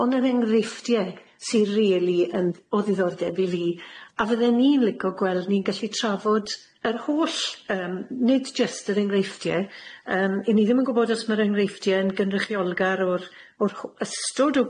on' yr enghreifftie sy rili yn o ddiddordeb i fi a fydden i'n lico gweld ni'n gallu trafod yr holl yym nid jyst yr engreifftie yym i ni ddim yn gwbod os ma'r engreifftie yn gynrychiolgar o'r o'r ch- ystod o